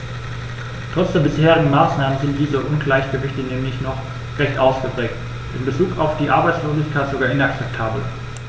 Trotz der bisherigen Maßnahmen sind diese Ungleichgewichte nämlich noch recht ausgeprägt, in bezug auf die Arbeitslosigkeit sogar inakzeptabel.